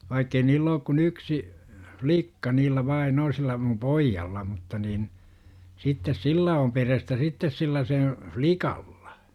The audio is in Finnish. vaikka ei niillä ole kuin yksi likka niillä vain on sillä minun pojalla mutta niin sitten sillä on perhettä sitten sillä sen likalla